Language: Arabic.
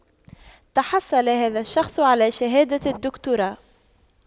تحصل هذا الشخص على شهادة الدكتوراه